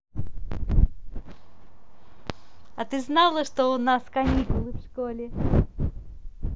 а ты знала что у нас каникулы в школе